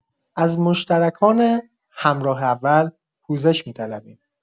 از مشترکان همراه اول پوزش می‌طلبیم.